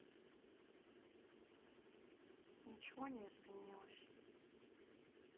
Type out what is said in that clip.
ничего не изменилось